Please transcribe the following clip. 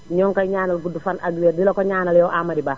ñoo ngi koy ñaanal gudd fan ak wér di la ko ñaanal yow Amady Ba